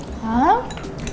hả